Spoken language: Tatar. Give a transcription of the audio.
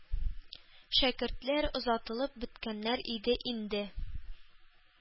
Шәкертләр озатылып беткәннәр иде инде.